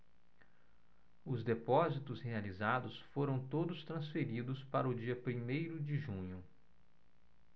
os depósitos realizados foram todos transferidos para o dia primeiro de junho